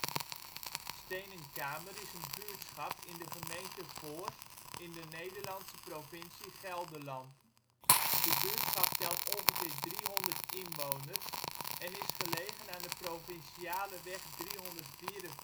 Steenenkamer is een buurtschap in de gemeente Voorst, in de Nederlandse provincie Gelderland. De buurtschap telt ongeveer 300 inwoners en is gelegen aan de Provinciale weg 344